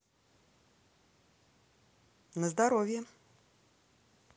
наздоровье